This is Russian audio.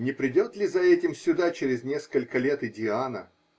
Не придет ли за этим сюда через несколько лет и Диана?